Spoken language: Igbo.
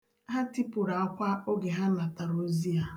Ha tipụrụ akwa oge ha natara ozi a